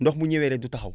ndox mu ñëwee rek du taxaw